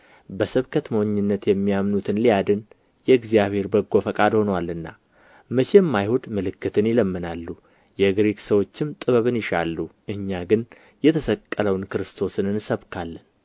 በስብከት ሞኝነት የሚያምኑትን ሊያድን የእግዚአብሔር በጎ ፈቃድ ሆኖአልና መቼም አይሁድ ምልክትን ይለምናሉ የግሪክ ሰዎችም ጥበብን ይሻሉ እኛ ግን የተሰቀለውን ክርስቶስን እንሰብካለን